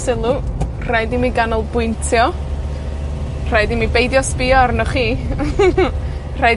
sylw, rhaid i mi ganolbwyntio. Rhaid i mi beidio sbïo arnoch chi. Rhaid